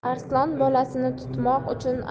arslon bolasini tutmoq uchun